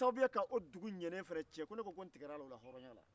i cɛ dala